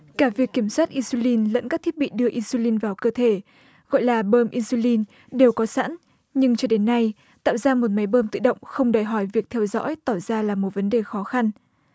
cả việc kiểm soát in su lin lẫn các thiết bị đưa in su lin vào cơ thể gọi là bơm in su lin đều có sẵn nhưng cho đến nay tạo ra một máy bơm tự động không đòi hỏi việc theo dõi tỏ ra là một vấn đề khó khăn